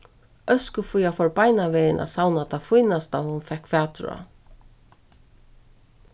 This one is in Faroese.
øskufía fór beinanvegin at savna tað fínasta hon fekk fatur á